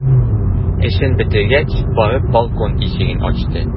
Эшен бетергәч, барып балкон ишеген ачты.